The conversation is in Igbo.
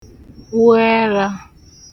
wụ ẹrā